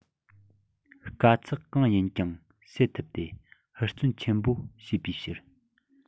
དཀའ ཚེགས གང ཡིན ཀྱང སེལ ཐུབ སྟེ ཧུར བརྩོན ཆེན པོ བྱེད པའི ཕྱིར